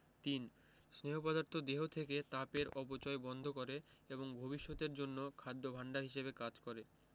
৩. স্নেহ পদার্থ দেহ থেকে তাপের অপচয় বন্ধ করে এবং ভবিষ্যতের জন্য খাদ্য ভাণ্ডার হিসেবে কাজ করে